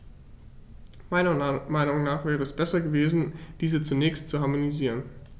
Meiner Meinung nach wäre es besser gewesen, diese zunächst zu harmonisieren.